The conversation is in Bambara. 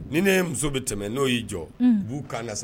Ni ne muso bɛ tɛmɛ n'o y'i jɔ, unhun, u b'u kan lasa